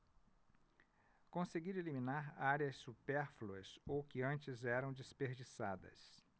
conseguiram eliminar áreas supérfluas ou que antes eram desperdiçadas